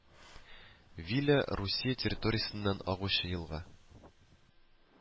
Виля Русия территориясеннән агучы елга